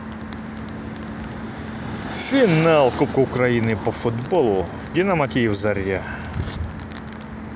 финал кубка украины по футболу динамо киев заря